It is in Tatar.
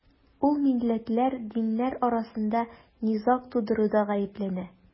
Ул милләтләр, диннәр арасында низаг тудыруда гаепләнә.